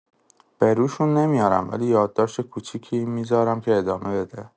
به روشون نمیارم، ولی یادداشت کوچیکی می‌ذارم که ادامه بده.